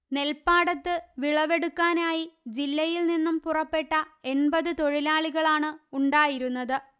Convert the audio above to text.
നെല്പാടത്ത് വിളവെടുക്കാനായി ജില്ലയില് നിന്നും പുറപ്പെട്ട എണ്പത് തൊഴിലാളികളാണ് ഉണ്ടായിരുന്നത്